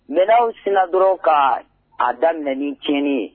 Mɛnaaw sina dɔrɔn kan a daminɛ ni tiɲɛn ye